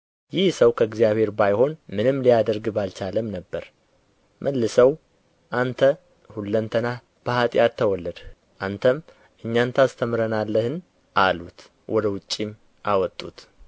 ይህ ሰው ከእግዚአብሔር ባይሆን ምንም ሊያደርግ ባልቻለም ነበር መልሰው አንተ ሁለንተናህ በኃጢአት ተወለድህ አንተም እኛን ታስተምረናለህን አሉት ወደ ውጭም አወጡት